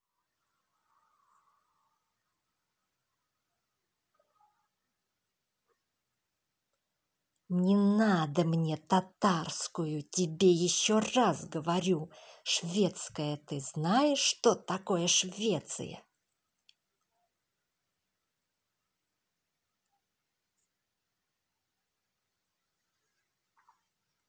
не надо мне татарскую тебе еще раз говорю шведская ты знаешь что такое швеция